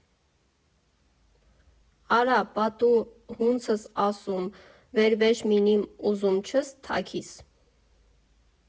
Ասի արա պա տու հունցըս ասում, վեր վեշ մինիմ օզում չըս թակիս։